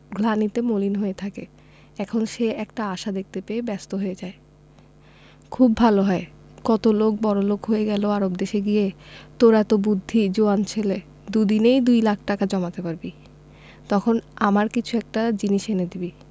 গ্লানিতে মলিন হয়ে থাকে এখন সে একটা আশা দেখতে পেয়ে ব্যস্ত হয়ে যায় খুব ভালো হয় কত লোক বড়লোক হয়ে গেল আরব দেশে গিয়ে তোর এত বুদ্ধি জোয়ান ছেলে দুদিনেই 2 লাখ টাকা জমাতে পারবি তখন আমার কিছু একটা জিনিস এনে দিবি